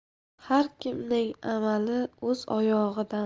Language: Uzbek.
har kimning amali o'z oyog'idan